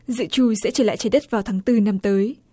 dự trù sẽ trở lại trái đất vào tháng tư năm tới